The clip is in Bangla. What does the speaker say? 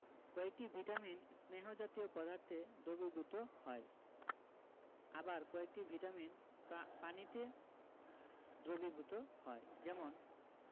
কয়েকটি ভিটামিন স্নেহ জাতীয় পদার্থে দ্রবীভূত হয় আবার কয়েকটি ভিটামিন পা পানিতে দ্রবীভূত হয় যেমন